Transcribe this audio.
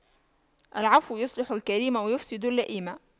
العفو يصلح الكريم ويفسد اللئيم